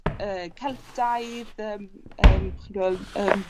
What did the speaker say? yy Celtaidd yym yym chi'n gweld yym